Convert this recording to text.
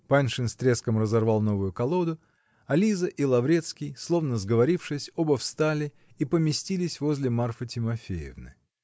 Паншин с треском разорвал новую колоду, а Лиза и Лаврецкий, словно сговорившись, оба встали и поместились возле Марфы Тимофеевны.